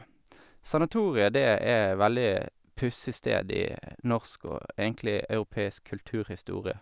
Sanatoriet, det er veldig pussig sted i norsk og egentlig europeisk kulturhistorie.